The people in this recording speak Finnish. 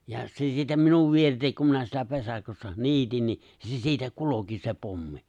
ja se siitä minun vieritse kun minä siellä vesakossa niitin niin niin se siitä kulki se pommi